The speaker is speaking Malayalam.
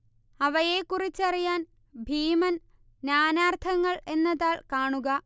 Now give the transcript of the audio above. അവയെക്കുറിച്ചറിയാൻ ഭീമൻ നാനാർത്ഥങ്ങൾ എന്ന താൾ കാണുക